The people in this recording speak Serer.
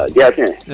Zancier